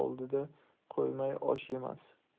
oldiga qo'ymay osh yemas